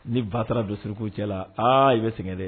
Ni ba taara don suruku cɛ la aa i bi sɛgɛn dɛ.